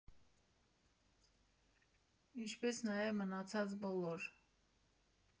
Ինչպես նաև մնացած բոլոր։